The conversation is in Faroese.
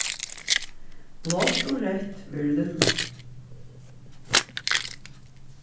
blátt og reytt verður lilla